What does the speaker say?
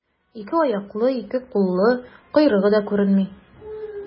Ике аяклы, ике куллы, койрыгы да күренми.